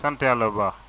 sant yàlla bu baax